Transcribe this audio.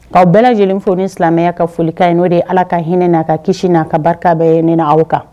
Ka bɛɛ lajɛlen fo ni silamɛya ka foli in n'o de ala ka hinɛ n'a ka kisi n aa ka barika bɛɛ neina aw kan